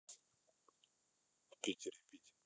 в питере пить